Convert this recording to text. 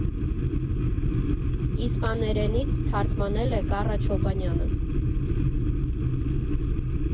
Իսպաներենից թարգմանել է Կառա Չոբանյանը։